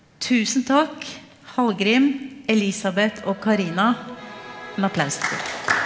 tusen takk Halgrim, Elisabeth og Carina, en applaus til de.